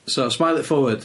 So, smile it forward.